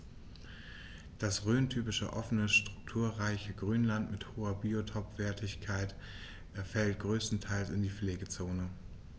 Das rhöntypische offene, strukturreiche Grünland mit hoher Biotopwertigkeit fällt größtenteils in die Pflegezone.